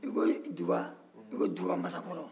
n'i ko duga i ko dugamasakɔrɔ